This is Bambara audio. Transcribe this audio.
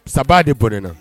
Saba de bɔn na